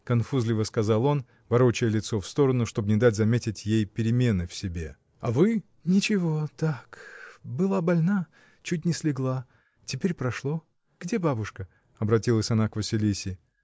— конфузливо сказал он, ворочая лицо в сторону, чтоб не дать заметить ей перемены в себе. — А вы? — Ничего, так. Была больна, чуть не слегла. Теперь прошло. Где бабушка? — обратилась она к Василисе.